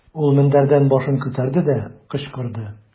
Ул мендәрдән башын күтәрде дә, кычкырды.